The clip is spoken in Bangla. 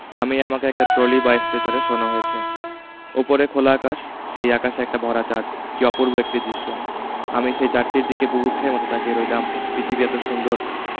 নামিয়ে আমাকে একটা ট্রলি বা স্ট্রেচারে শোয়ানো হয়েছে ওপরে খোলা আকাশ সেই আকাশে একটা ভরা চাঁদ কী অপূর্ব একটি দৃশ্য আমি সেই চাঁদটির দিকে বুভুক্ষের মতো তাকিয়ে রইলাম পৃথিবী এতো সুন্দর